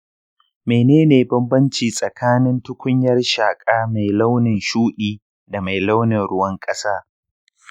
mene ne bambanci tsakanin tukunyar shaka mai launin shuɗi da mai launin ruwan ƙasa?